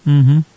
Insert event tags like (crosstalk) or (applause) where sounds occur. (hesitation) (hesitation)